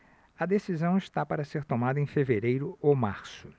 a decisão está para ser tomada em fevereiro ou março